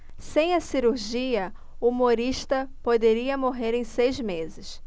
sem a cirurgia humorista poderia morrer em seis meses